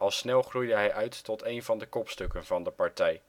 snel groeide hij uit tot één van de kopstukken van de partij